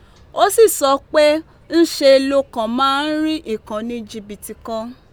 Ó sì sọ pé ńṣe lo kàn máa ń rí ìkànnì jìbìtì kan.